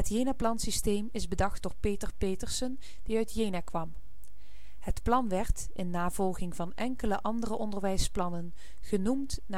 Jenaplansysteem is bedacht door Peter Petersen, die uit Jena kwam. Het plan werd, in navolging van enkele andere onderwijsplannen, genoemd